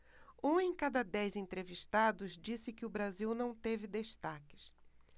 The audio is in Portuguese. um em cada dez entrevistados disse que o brasil não teve destaques